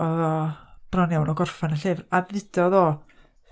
oedd o bron iawn â gorffen y llyfr. A ddudodd o,